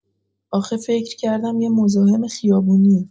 آخه فکر کردم یه مزاحم خیابونیه.